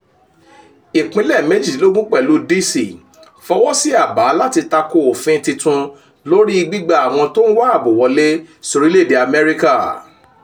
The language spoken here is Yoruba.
Ìpínlẹ̀ méjìdínlógún pẹ̀lú D.C. fọwọ́ sí àbá láti tako ofin titun lórí gbigba àwọn tó ń wá àbò wọlé sí orílẹ̀èdè US.